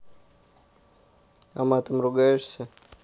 а матом ругаешься